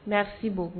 Merci beaucoup